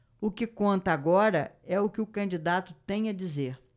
o que conta agora é o que o candidato tem a dizer